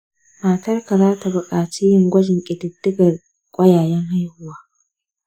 matarka za ta bukaci yin gwajin ƙididdigar ƙwayayen haihuwa .